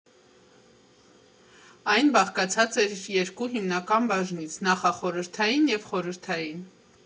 Այն բաղկացած էր երկու հիմնական բաժնից՝ նախախորհրդային և խորհրդային։